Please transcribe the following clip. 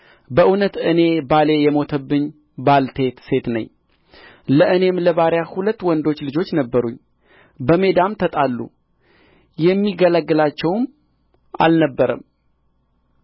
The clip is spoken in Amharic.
በእውነት እኔ ባሌ የሞተብኝ ባልቴት ሴት ነኝ ለእኔም ለባሪያህ ሁለት ወንዶች ልጆች ነበሩኝ በሜዳም ተጣሉ የሚገላግላቸውም አልነበረም